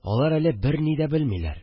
Алар әле берни дә белмиләр